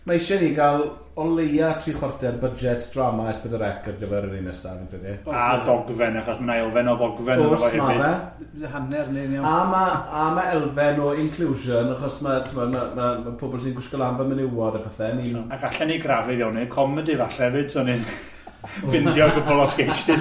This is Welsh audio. mae isie ni gael o leia tri chwarter budget drama es pedwar ec ar gyfer yr un nesa dwi'n credu, a dogfen achos ma' na elfen o ddogfen ynddo fe... Os ma fe. ...hanner neu'n iawn a ma' a ma' elfen o inclusion achos ma' t'mod ma' ma' pobol sy'n gwisgo lân fy menywod a pethe ni a gallen ni grafydd iawn neu comedi falle hefyd, so ni'n ffindio a couple o sketches.